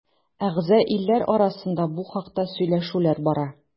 Әгъза илләр арасында бу хакта сөйләшүләр бара.